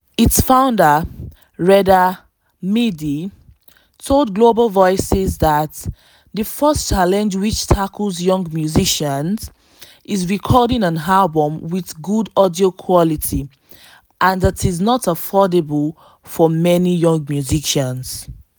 Its founder, Reda Hmidi, told Global Voices that “the first challenge which tackles young musicians is recording an album with good audio quality, and that is not affordable for many young musicians.”